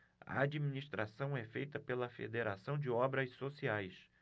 a administração é feita pela fos federação de obras sociais